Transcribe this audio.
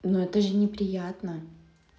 ну это же неприятно